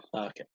Oce.